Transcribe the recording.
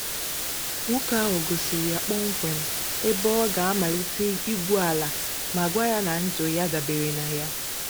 Nwoke ahụ gosiri ya kpọmkwem ebe ọ ga-amalite igwu ala ma gwa ya na ndụ ya dabeere na ya.